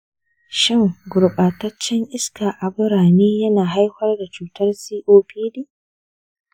shin gurbataccen iska a birane yana haifar da cutar copd?